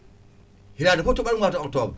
hitande foof tooɓat mois de octobre